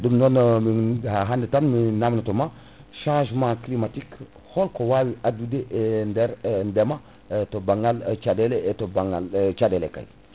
ɗum non ha hande tan mi namdotoma changement climatique holko wawi addude e nder deema e to banggal caɗele e to banggal caɗele kayi